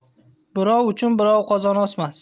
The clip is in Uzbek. birov uchun birov qozon osmas